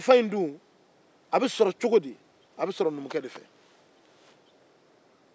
n'a ye kɛlɛ ton ta a bɛ yɛlɛn so min min b'i sen don o la ko sonkɛlɛ